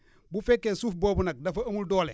bu fekkee suuf boobu nag dafa amul doole